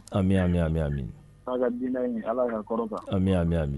Amin amin amin amin Ala ka diinɛ in Ala k'a kɔrɔta, amin amin